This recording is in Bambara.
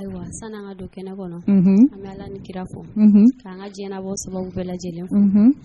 Ayiwa sanni an ka don kɛnɛ kɔnɔ an bɛ Ala ni Kira fo, unhun, k'an ka diɲɛlabɔ sababuw bɛɛ lajɛlen fo, unhun